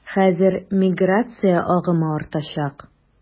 Хәзер миграция агымы артачак.